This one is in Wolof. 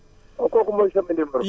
kooku mooy sama numéro